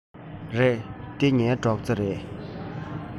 རེད འདི ངའི སྒྲོག རྩེ རེད